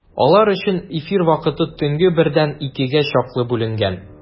Алар өчен эфир вакыты төнге бердән икегә чаклы бүленгән.